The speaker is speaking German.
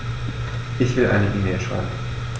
Ich will eine E-Mail schreiben.